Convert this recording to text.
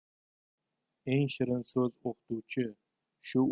eng shirinso'z o'qituvchi shu